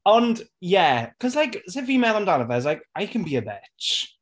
Ond, ie. Cause like, sut fi'n meddwl amdano fe is like, I can be a bitch.